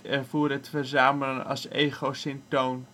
ervoer het verzamelen als ego-syntoon